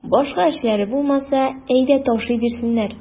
Башка эшләре булмаса, әйдә ташый бирсеннәр.